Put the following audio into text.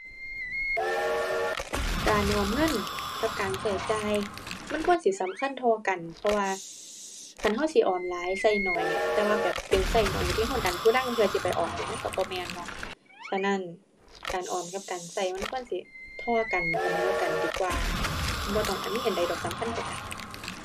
การออมเงินกับการใช้จ่ายมันควรสิสำคัญเท่ากันเพราะว่า คันใช้สิออมหลายใช้น้อย แต่ว่าแบบเป็นใช้น้อยที่ใช้ดันทุรังเพื่อสิไปออมนี่มันใช้บ่แม่นเนาะ ฉะนั้นการออมกับการใช้มันควรสิเท่ากัน เสมอกันดีกว่า บ่ต้อง อั่น มีอันใดดอกสำคัญกว่ากัน